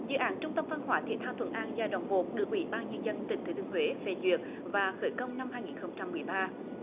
dự án trung tâm văn hóa thể thao thuận an giai đoạn một được ủy ban nhân dân tỉnh thừa thiên huế phê duyệt và khởi công năm hai nghìn không trăm mười ba